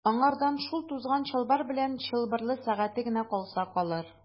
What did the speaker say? Аңардан шул тузган чалбар белән чылбырлы сәгате генә калса калыр.